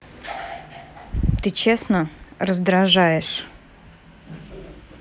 ну честно раздражаешь